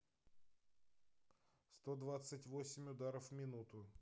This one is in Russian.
сто двадцать восемь ударов в минуту